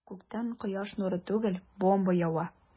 Күктән кояш нуры түгел, бомба ява.